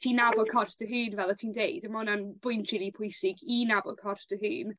ti'n nabod corff dy hun fel o' ti'n deud a ma' wnna'n bwynt rili pwysig i nabod corff dy hun.